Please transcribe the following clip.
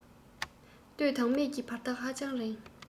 སྟོད དང སྨད ཀྱི བར ཐག ཧ ཅང རིང